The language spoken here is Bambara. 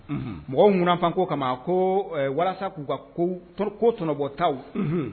Mɔgɔ munnafan ko o kama ko walasa k'u ka ko tbɔtaw